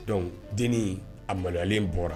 Dɔnku den a malolen bɔra